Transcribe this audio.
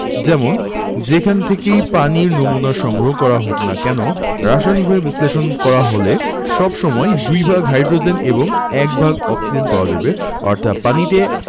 যেমন যেখান থেকেই পানির নমুনা সংগ্রহ করা হোক না কেন রাসায়নিকভাবে বিশ্লেষণ করা হলে সব সময় দুই ভাগ হাইড্রোজেন এবং এক ভাগ অক্সিজেন পাওয়া যাবে অর্থাৎ পানিতে